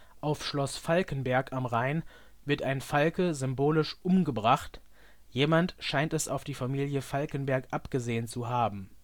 Auf Schloss Falkenberg am Rhein wird ein Falke symbolisch umgebracht, jemand scheint es auf die Familie Falkenberg abgesehen zu haben